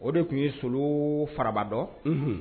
O de tun ye Solo fara dɔn